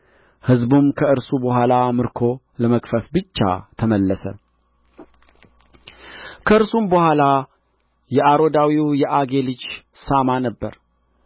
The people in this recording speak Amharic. ሕዝቡም ከእርሱ በኋላ ምርኮ ለመግፈፍ ብቻ ተመለሰ ከእርሱም በኋላ የአሮዳዊው የአጌ ልጅ ሣማ ነበረ